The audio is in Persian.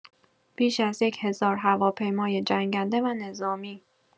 بیش از یک هزار هواپیمای جنگنده و نظامی